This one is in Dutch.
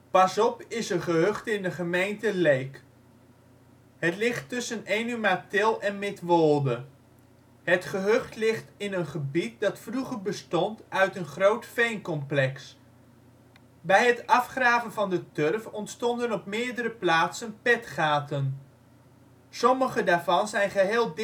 Pasop is een gehucht in de gemeente Leek. Het ligt tussen Enumatil en Midwolde. Het gehucht ligt in een gebied dat vroeger bestond uit een groot veencomplex. Bij het afgraven van de turf ontstonden op meerdere plaatsen petgaten. Sommige daarvan zijn geheel